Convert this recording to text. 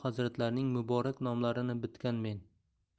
hazratlarining muborak nomlarini bitganmen